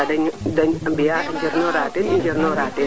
o fog na ɗingale manam na ɗingale Gnilane Ndour a adwan na